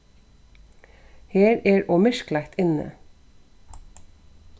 her er ov myrkleitt inni